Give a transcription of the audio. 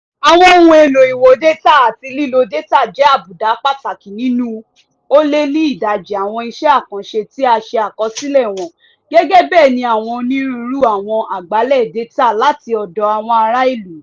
Àwọn ohun èlò ìwo dátà àti lílò dátà jẹ́ àbùdá pàtàkì nínú ó lé ní ìdajì àwọn iṣẹ́ àkànṣe tí a ṣe àkọsílẹ̀ wọn, gẹ́gẹ́ bẹ́ẹ̀ ni àwọn onírúurú àwọn àgbàálẹ̀ dátà láti ọ̀dọ̀ àwọn ará ìlú.